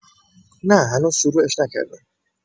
نه هنوز شروعش نکردم